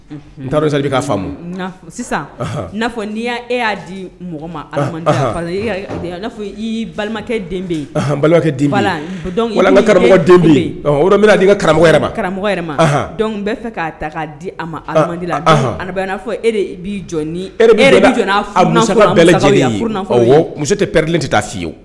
N i sisan'a fɔ n'i y' e y'a di mɔgɔ maa fɔ balimakɛ karamɔgɔ'i ka karamɔgɔ ma karamɔgɔa fɛ k'a ta di a ma n'a fɔ e muso tɛ pd tɛ taa fɔ ye